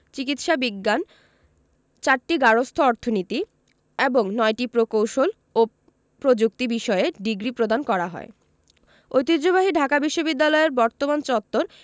চিকিৎসা বিজ্ঞান ৪টি গার্হস্থ্য অর্থনীতি এবং ৯টি প্রকৌশল ও প্রযুক্তি বিষয়ে ডিগ্রি প্রদান করা হয় ঐতিহ্যবাহী ঢাকা বিশ্ববিদ্যালয়ের বর্তমান চত্বর